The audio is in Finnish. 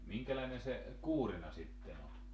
minkälainen se kuurina sitten on